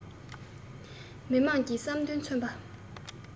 མི དམངས ཀྱི བསམ འདུན མཚོན པ